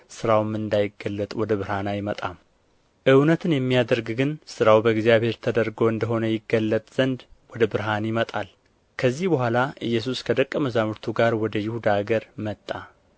ሥራውም እንዳይገለጥ ወደ ብርሃን አይመጣም እውነትን የሚያደርግ ግን ሥራው በእግዚአብሔር ተደርጎ እንደ ሆነ ይገለጥ ዘንድ ወደ ብርሃን ይመጣል ከዚህ በኋላ ኢየሱስ ከደቀ መዛሙርቱ ጋር ወደ ይሁዳ አገር መጣ